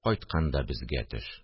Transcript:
Кайтканда безгә төш